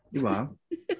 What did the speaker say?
You what?